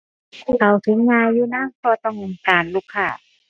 เข้าถึงง่ายอยู่นะ เพราะต้องการลูกค้า